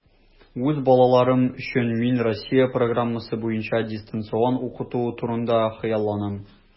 Үз балаларым өчен мин Россия программасы буенча дистанцион укыту турында хыялланам.